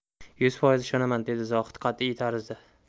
yuz foiz ishonaman dedi zohid qat'iy tarzda